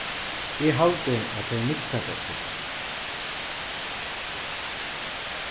eg haldi at tey mistaka seg